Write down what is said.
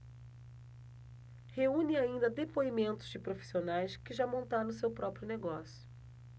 reúne ainda depoimentos de profissionais que já montaram seu próprio negócio